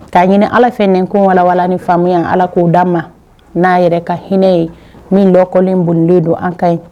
K'a ɲini Ala fɛ nin ko walawalai faamuyaya Ala k'o d'an ma n'a yɛrɛ ka hinɛ ye min dɔ kɔlen bolilen don an ka ye